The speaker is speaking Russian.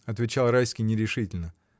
— отвечал Райский нерешительно.